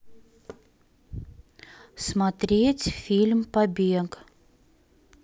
смотреть фильм побег